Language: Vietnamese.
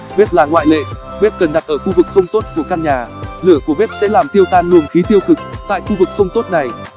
bếp là ngoại lệ bếp cần đặt ở khu vực không tốt của căn nhà lửa của bếp sẽ làm tiêu tan luồng khí tiêu cực tại khu vực không tốt này